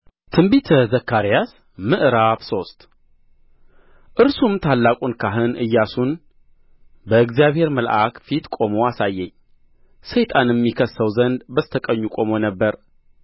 ትንቢተ ዘካርያስ ምዕራፍ ሶስት እርሱም ታላቁን ካህን ኢያሱን በእግዚአብሔር መልአክ ፊት ቆሞ አሳየኝ ሰይጣንም ይከስሰው ዘንድ በስተ ቀኙ ቆሞ ነበር